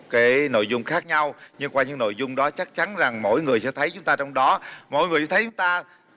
cái nội dung khác nhau nhưng qua những nội dung đó chắc chắn rằng mỗi người sẽ thấy chúng ta trong đó mỗi vị thấy ta